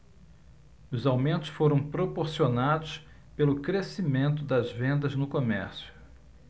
os aumentos foram proporcionados pelo crescimento das vendas no comércio